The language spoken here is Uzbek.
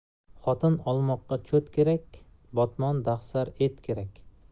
xotin olmoqqa cho't kerak botmon dahsar et kerak